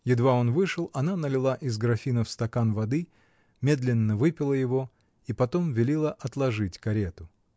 Едва он вышел, она налила из графина в стакан воды, медленно выпила его и потом велела отложить карету.